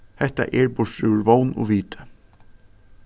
hetta er burtur úr vón og viti